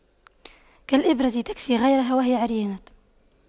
كالإبرة تكسي غيرها وهي عريانة